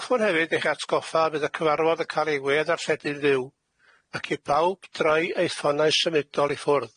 Hoffwn hefyd eich atgoffa y bydd y cyfarfod yn cael ei wê-ddarlledu'n fyw, ac i bawb droi eu ffonau symudol i ffwrdd.